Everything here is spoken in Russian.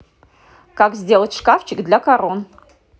как сделать шкафчик для корон